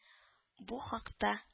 —бу хакта